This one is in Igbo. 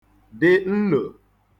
dị nlò